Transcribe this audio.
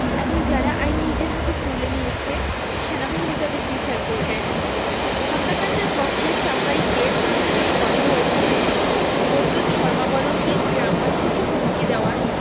এবং যারা আইন নিজের হাতে তুলে নিয়েছে সেনাবাহিনী তাদের বিচার করবে হত্যাকাণ্ডের পক্ষে সাফাই গেয়ে প্রতিবেদনে বলা হয়েছে বৌদ্ধ ধর্মাবলম্বী গ্রামবাসীকে হুমকি দেওয়ায়